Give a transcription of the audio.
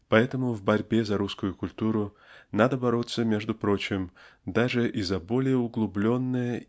Поэтому в борьбе за русскую культуру надо бороться между прочим даже и За более углубленное